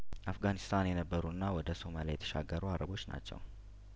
አፍጋኒስታን የነበሩና ወደ ሶማሊያየተሻገሩ አረቦች ናቸው